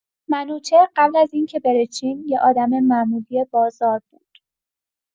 منوچهر قبل از این که بره چین، یه آدم معمولی بازار بود.